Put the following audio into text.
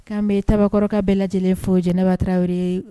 K' bɛ kabakɔrɔ bɛɛ lajɛlen fo jɛnɛba tarawelere ye